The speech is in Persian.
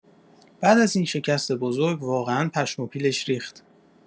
بعد از این شکست بزرگ، واقعا پشم و پیلش ریخت.